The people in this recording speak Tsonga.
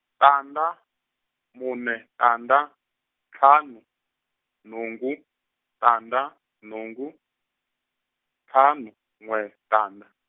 tandza mune tandza tlhanu nhungu tandza nhungu ntlhanu n'we tandza.